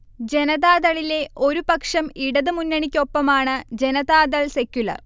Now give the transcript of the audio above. ജനതാദളിലെ ഒരു പക്ഷം ഇടതു മുന്നണിക്കൊപ്പമാണ് ജനതാദൾ സെക്യുലർ